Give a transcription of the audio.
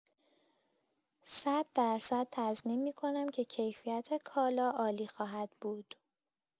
صددرصد تضمین می‌کنم که کیفیت کالا عالی خواهد بود.